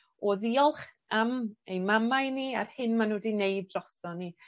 o ddiolch am ein mamau ni ar hyn ma' nw 'di wneud droson ni.